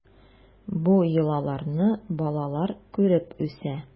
Бу йолаларны балалар күреп үсә.